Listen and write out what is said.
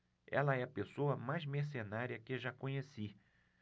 ela é a pessoa mais mercenária que já conheci